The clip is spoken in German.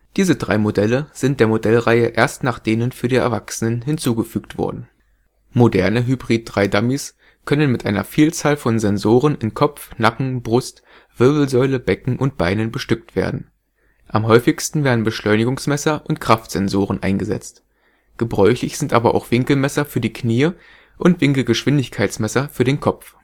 Diese drei Modelle sind der Modellreihe erst nach denen für die Erwachsenen hinzugefügt worden. Moderne Hybrid-III-Dummies können mit einer Vielzahl von Sensoren in Kopf, Nacken, Brust, Wirbelsäule, Becken und Beinen bestückt werden. Am häufigsten werden Beschleunigungsmesser und Kraftsensoren eingesetzt. Gebräuchlich sind aber auch Winkelmesser für die Knie und Winkelgeschwindigkeitsmesser für den Kopf